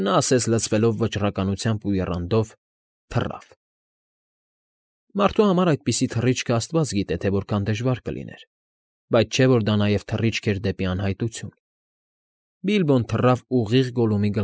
Նա, ասես լցվելով վճռականությամբ ու եռանդով, թռավ… Մարդու համար այդպիսի թռիչքը աստված գիտե, թե որքան դժվար կլիներ, բայց չէր որ դա նաև թռիչք էր դեպի անհայտություն… Բիլբոն թռավ ուղիղ Գոլլումի։